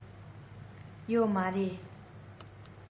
ཡོད མ རེད